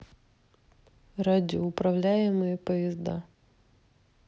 радиоуправляемые поезда